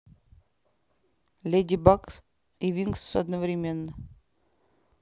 леди баг и винкс одновременно